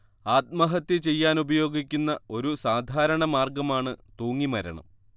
ആത്മഹത്യ ചെയ്യാനുപയോഗിക്കുന്ന ഒരു സാധാരണ മാർഗ്ഗമാണ് തൂങ്ങി മരണം